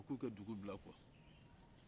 k'u ka dugu bila kuwa